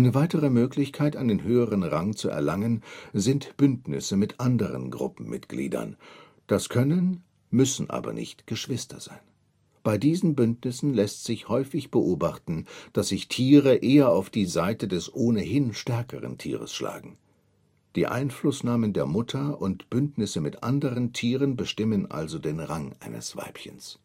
weitere Möglichkeit, einen höheren Rang zu erlangen, sind Bündnisse mit anderen Gruppenmitgliedern – das können, müssen aber nicht Geschwister sein. Bei diesen Bündnissen lässt sich häufig beobachten, dass sich Tiere eher auf die Seite des ohnehin stärkeren Tieres schlagen. Die Einflußnahmen der Mutter und Bündnisse mit anderen Tieren bestimmen also den Rang eines Weibchens